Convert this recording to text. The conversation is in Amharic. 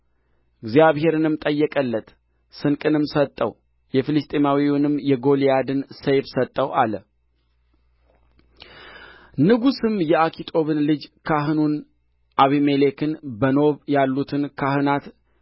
እግዚአብሔርንም ጠየቀለት ስንቅንም ሰጠው የፍልስጥኤማዊውንም የጎልያድን ሰይፍ ሰጠው አለ ንጉሡም የአኪጦብን ልጅ ካህኑን አቢሜሌክን በኖብም ያሉትን ካህናት